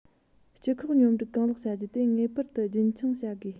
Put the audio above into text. སྤྱི ཁོག སྙོམས སྒྲིག གང ལེགས བྱ རྒྱུ ངེས པར དུ རྒྱུན འཁྱོངས བྱ དགོས